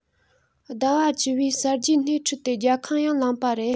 ཟླ བ བཅུ པའི གསར བརྗེའི སྣེ ཁྲིད དེ རྒྱལ ཁ ཡང བླངས པ རེད